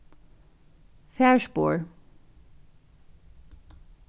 farspor